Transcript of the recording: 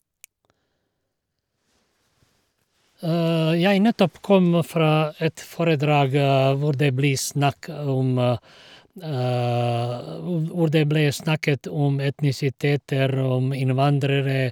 Jeg nettopp kom fra et foredrag hvor det blir snakk om ov hvor det ble snakket om etnisiteter, om innvandrere...